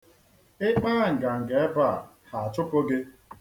Ị kpaa nganga ebe a, ha achụpụ gị.